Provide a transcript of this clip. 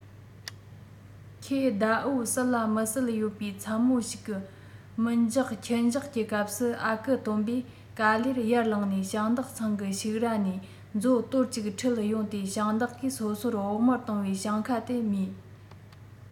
ཁོས ཟླ འོད གསལ ལ མི གསལ ཡོད པའི མཚན མོ ཞིག གི མི འཇགས ཁྱི འཇགས ཀྱི སྐབས སུ ཨ ཁུ སྟོན པས ག ལེར ཡར ལངས ནས ཞིང བདག ཚང གི ཕྱུགས ར ནས མཛོ དོར གཅིག ཁྲིད ཡོང སྟེ ཞིང བདག གིས སོ སོར བོགས མར བཏང བའི ཞིང ཁ དེ རྨོས